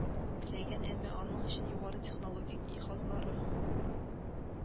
Теләгән, әмма аның өчен югары технологик иһазлары